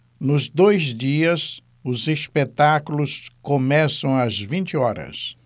nos dois dias os espetáculos começam às vinte horas